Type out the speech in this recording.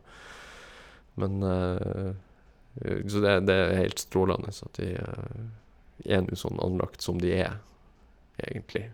men Så det det er heilt strålende at de er nu sånn anlagt som de er, egentlig.